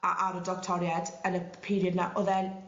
a ar y doctoried yn y period 'na o'dd e'n